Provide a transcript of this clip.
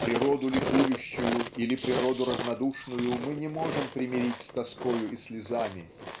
природу ликующую или природу равнодушную мы не можем примирить с тоскою и слезами